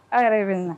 Aw yɛrɛ bɛ